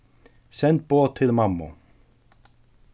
send boð til mammu